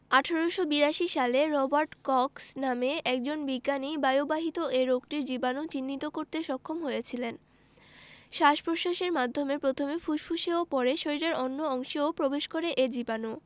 ১৮৮২ সালে Robert Koch নামে একজন বিজ্ঞানী বায়ুবাহিত এ রোগটির জীবাণু চিহ্নিত করতে সক্ষম হয়েছিলেন শ্বাস প্রশ্বাসের মাধ্যমে প্রথমে ফুসফুসে ও পরে শরীরের অন্য অংশেও প্রবেশ করে এ জীবাণু